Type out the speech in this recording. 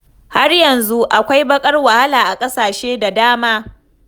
'Har yanzu akwai baƙar wahala a ƙasashe da dama''.